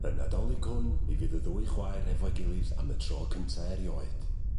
Y Nadolig hwn mi fydd y ddwy chwaer efo'i gilydd am y tro cynta erioed.